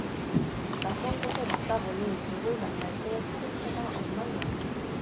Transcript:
낯선 곳에 묵다 보니 누굴 만날 때 차림새가 엉망이었다